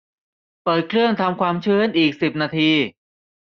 เปิดเครื่องทำความชื้นอีกสิบนาที